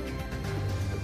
San